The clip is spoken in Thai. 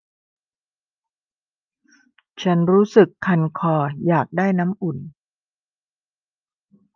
ฉันรู้สึกคันคออยากได้น้ำอุ่น